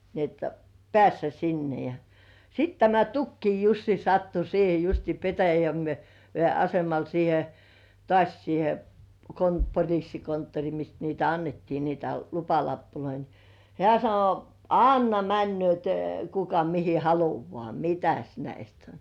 niin että päästä sinne ja ja sitten tämä Tukian Jussi sattui siihen justiin - Petäjäveden asemalle siihen taas siihen -- poliisikonttori mistä niitä annettiin niitä lupalappuja niin hän sanoi anna menevät kuka mihin haluaa mitäs näistä on